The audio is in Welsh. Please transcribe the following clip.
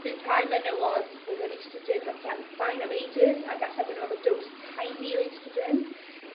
Bydd rhai menywod oedd ar oestrogen fatha'n fine am ages ag 'alla' bo' n'w efo dose tiny o oestrogen.